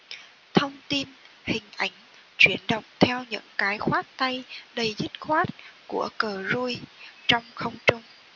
thông tin hình ảnh chuyển động theo những cái khoát tay đầy dứt khoát của cruise trong không trung